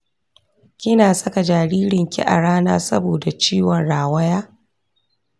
kina saka jaririnki a rana saboda ciwon rawaya?